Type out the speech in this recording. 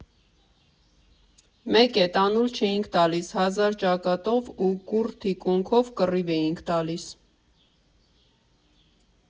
Մեկ է, տանուլ չէինք տալիս, հազար ճակատով ու կուռ թիկունքով կռիվ էինք տալիս։